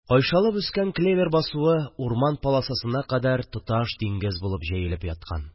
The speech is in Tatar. Кайшалып үскән клевер басуы урман полосасына кадәр тоташ диңгез булып җәелеп яткан